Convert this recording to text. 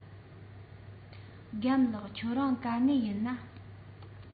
རྒན ལགས ཁྱེད རང ག ནས ཡིན ན